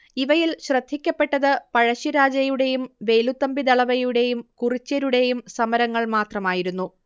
ഇവയിൽ ശ്രദ്ധിക്കപ്പെട്ടത് പഴശ്ശിരാജയുടേയും വേലുത്തമ്പിദളവയുടേയും കുറിച്യരുടേയും സമരങ്ങൾ മാത്രമായിരുന്നു